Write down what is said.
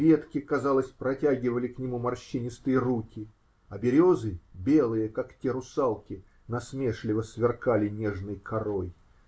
Ветки, казалось, протягивали к нему морщинистые руки, а березы, белые, как те русалки, насмешливо сверкали нежной корой.